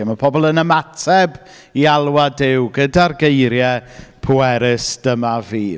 Lle mae pobl yn ymateb i alwad Duw gyda'r geiriau pwerus “dyma fi.”